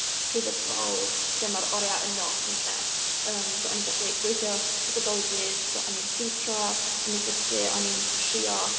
Prifysgol lle ma'r oriau yn nos yn lle, yym. So o'n i'n gallu gweithio trwy gydol y dydd. So o'n i'n tiwtro, o'n i'n dysgu, o'n i'n trio...